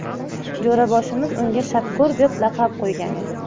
jo'raboshimiz unga shapko'r deb laqab qo'ygan edi